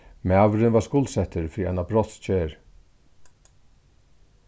maðurin var skuldsettur fyri eina brotsgerð